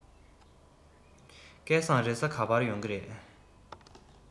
སྐལ བཟང རེས གཟའ ག པར ཡོང གི རེད